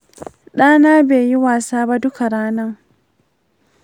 dana bayyi wasa ba duka ranan.